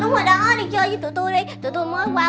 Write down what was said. đúng rồi đó đi chơi với tụi tui đi tụi tui mới qua